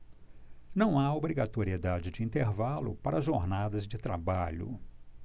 não há obrigatoriedade de intervalo para jornadas de trabalho